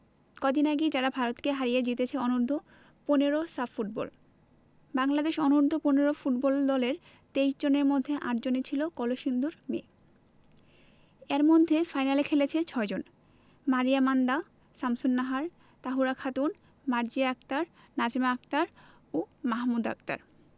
কদিন আগেই যারা ভারতকে হারিয়ে জিতেছে অনূর্ধ্ব ১৫ সাফ ফুটবল বাংলাদেশ অনূর্ধ্ব ১৫ ফুটবল দলের ২৩ জনের মধ্যে ৮ জনই ছিল কলসিন্দুরের মেয়ে এর মধ্যে ফাইনালে খেলেছে ৬ জন মারিয়া মান্দা শামসুন্নাহার তহুরা খাতুন মার্জিয়া আক্তার নাজমা আক্তার ও মাহমুদা আক্তার